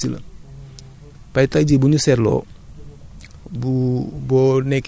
mais suñu baykat yi dañ koy def binage daal dafa nekk technique boo xamante ni yëngal suuf si la